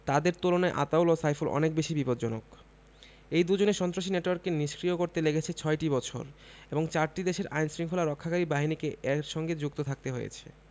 তাদের তুলনায় আতাউল ও সাইফুল অনেক বেশি বিপজ্জনক এই দুজনের সন্ত্রাসী নেটওয়ার্ককে নিষ্ক্রিয় করতে লেগেছে ছয়টি বছর এবং চারটি দেশের আইনশৃঙ্খলা রক্ষাকারী বাহিনীকে এর সঙ্গে যুক্ত থাকতে হয়েছে